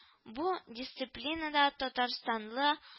Бу дисциплинада татарстанлы